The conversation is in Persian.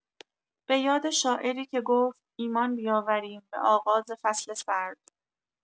بۀاد شاعری که گفت: "ایمان بیاوریم به آغاز فصل سرد".